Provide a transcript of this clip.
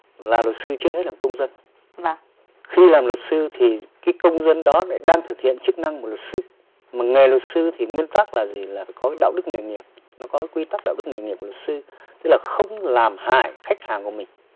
là luật sư trước hết là công dân và khi làm luật sư thì khi công dân đó đang thực hiện chức năng của luật sư mà nghề luật sư thì nguyên tắc là gì là có đạo đức nghề nghiệp có quy tắc đạo đức nghề nghiệp luật sư thế là không làm hại khách hàng của mình